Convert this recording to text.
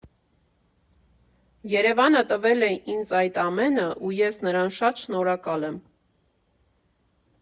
Երևանը տվել է ինձ այդ ամենը, ու ես նրան շատ շնորհակալ եմ։